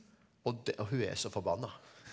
og og hun er jo så forbanna.